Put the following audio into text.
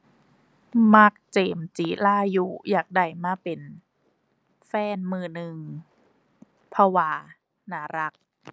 มัก เจมส์ จิรายุ อยากได้มาเป็นแฟนมื้อหนึ่ง เพราะว่าน่ารัก